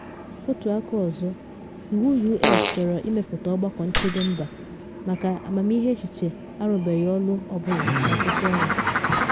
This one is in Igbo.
Otu aka ọzọ, iwu U.S. chọrọ ịmepụta Ọgbakọ Nchedo Mba maka Amamịghe Echiche arụbeghị ọrụ ọ bụla n’ọtụtụ ọnwa.